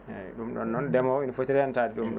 eyyi ɗum ɗon noon ndemowo ene footi rentade ɗum